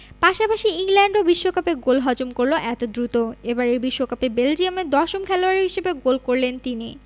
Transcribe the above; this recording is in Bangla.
পাশাপাশি ইংল্যান্ডও বিশ্বকাপে গোল হজম করল এত দ্রুত এবারের বিশ্বকাপে বেলজিয়ামের দশম খেলোয়াড় হিসেবে গোল করলেন তিনি